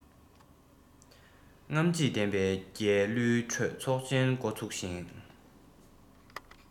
རྔམ བརྗིད ལྡན པའི རྒྱལ གླུའི ཁྲོད ཚོགས ཆེན འགོ ཚུགས ཤིང